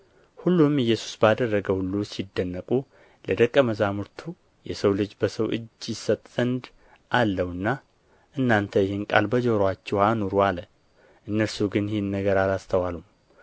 ሁሉም ኢየሱስ ባደረገው ሁሉ ሲደነቁ ለደቀ መዛሙርቱ የሰው ልጅ በሰው እጅ ይሰጥ ዘንድ አለውና እናንተ ይህን ቃል በጆሮአችሁ አኑሩ አለ እነርሱ ግን ይህን ነገር አላስተዋሉም